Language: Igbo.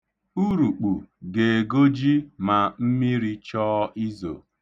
Urukpu ga-egoji ma mmiri chọọ izo.